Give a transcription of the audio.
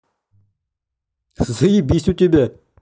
заебись у тебя